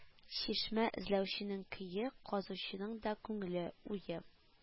Чишмә эзләүченең кое казучының да күңеле-уе